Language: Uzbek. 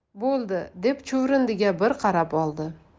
bo'ldi deb chuvrindiga bir qarab oldi